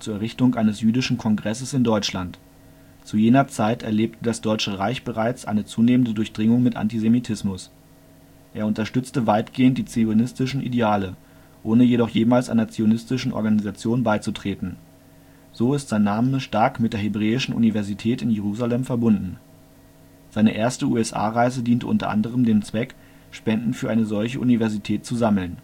Errichtung eines jüdischen Kongresses in Deutschland. Zu jener Zeit erlebte das Deutsche Reich bereits eine zunehmende Durchdringung mit Antisemitismus. Er unterstützte weitgehend die zionistischen Ideale, ohne jedoch jemals einer zionistischen Organisation beizutreten. So ist sein Name stark mit der Hebräischen Universität in Jerusalem verbunden. Seine erste USA-Reise diente u. a. dem Zweck, Spenden für eine solche Universität zu sammeln